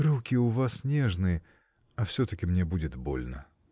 руки у вас нежные, а все-таки мне будет больно.